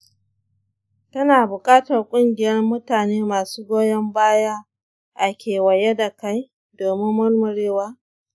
kana buƙatar ƙungiyar mutane masu goyon baya a kewaye da kai domin murmurewa.